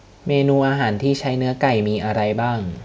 เมนูอาหารที่ใช้เนื้อไก่มีอะไรบ้าง